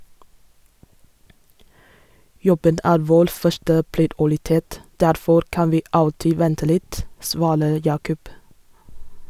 Jobben er vår første prioritet; derfor kan vi alltid vente litt, svarer Yaqub.